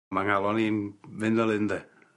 Ma' ngalon i'n fynd fel 'yn 'de.